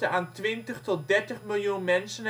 aan twintig tot dertig miljoen mensen